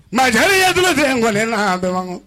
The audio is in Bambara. Maha yatigɛte in kɔn laha